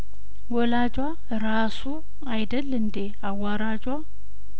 ወላጇ እራሱ አይደል እንዴ አዋራጇ